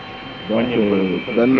donc benn